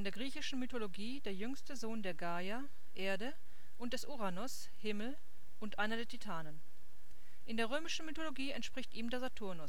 griechischen Mythologie der jüngste Sohn der Gaia (Erde) und des Uranos (Himmel) und einer der Titanen. In der römischen Mythologie entspricht ihm Saturn